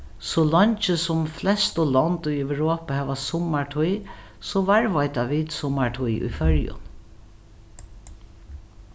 so leingi sum flestu lond í europa hava summartíð so varðveita vit summartíð í føroyum